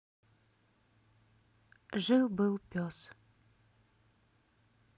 жил был пес